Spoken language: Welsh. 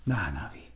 Na, na fi.